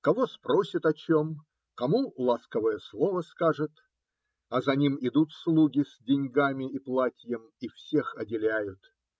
Кого спросит о чем, кому ласковое слово скажет, а за ним идут слуги с деньгами и платьем и всех оделяют.